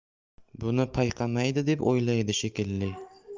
buni payqamaydi deb o'ylaydi shekilli